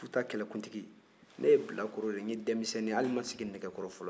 futa kɛlɛkuntigi ne ye bilakoro de ye n ye denmisɛnnin ye hali n ma sigi nɛgɛkɔrɔ fɔlɔ